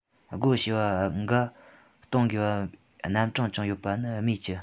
སྒོར བྱེ བ འགའ གཏོང དགོས པའི རྣམ གྲངས ཀྱང ཡོད པ ནི སྨོས ཅི